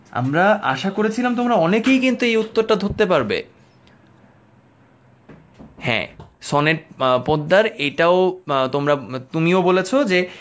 আমরা আশা করেছিলাম তোমরা অনেকেই কিন্তু এই উত্তরটা ধরতে পারবে হ্যাঁ সনেট পোদ্দার এটাও তোমরা তুমিও বলেছ যে